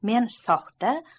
men shunchaki